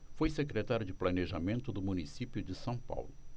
foi secretário de planejamento do município de são paulo